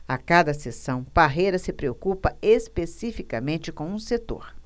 a cada sessão parreira se preocupa especificamente com um setor